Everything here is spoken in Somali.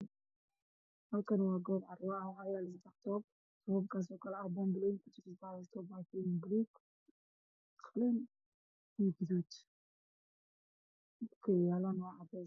Halkaani waa goob waxaa yaalo saddex toob toobab kaasoob kala ah boomaatbalaha baluug iyo qalin iyo gaduud.